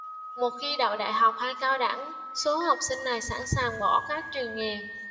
một khi đậu đại học hay cao đẳng số học sinh này sẵn sàng bỏ các trường nghề